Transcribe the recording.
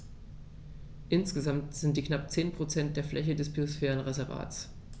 Insgesamt sind dies knapp 10 % der Fläche des Biosphärenreservates.